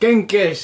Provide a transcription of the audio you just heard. Genghis!